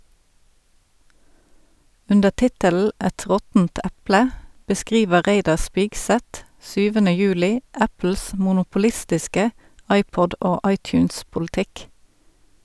Under tittelen "Et råttent eple" beskriver Reidar Spigseth 7. juli Apples monopolistiske iPod- og iTunes-politikk.